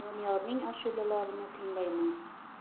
doniyorning ashulalarini tinglayman